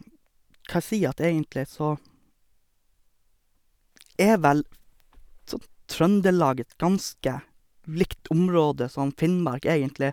Hva jeg sier at egentlig så er vel sånn Trøndelag et ganske likt område som Finnmark, egentlig.